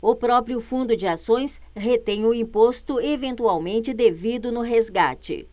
o próprio fundo de ações retém o imposto eventualmente devido no resgate